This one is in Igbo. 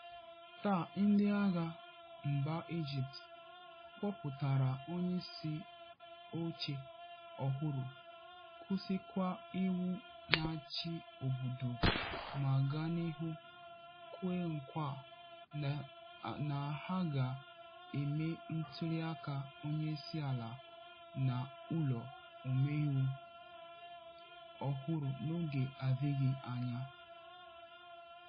Taa, ndị agha mba Ijipt kpọpụtara onyeisi oche ọhụrụ, kwụsịkwa iwu na-achị obodo ma gaa n'ihu kwe nkwa na a ga-eme ntuli aka onye isi ala na ụlọ omeiwu ọhụrụ n'oge adịghị anya.